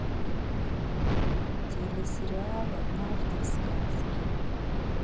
телесериал однажды в сказке